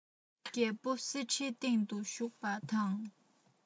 རྒྱལ པོ གསེར ཁྲིའི སྟེང དུ བཞུགས པ དང